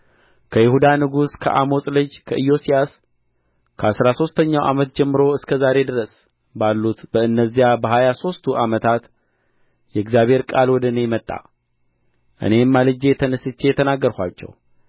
ከይሁዳ ንጉሥ ከአሞጽ ልጅ ከኢዮስያስ ከአሥራ ሦስተኛው ዓመት ጀምሮ እስከ ዛሬ ድረስ ባሉት በእነዚህ በሀያ ሦስቱ ዓመታት የእግዚአብሔር ቃል ወደ እኔ መጣ እኔም ማልጄ ተነሥቼ ተናገርኋችሁ